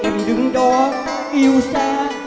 đó yêu xa